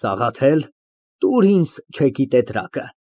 Սաղաթել. տուր ինձ չեկի տետրակը։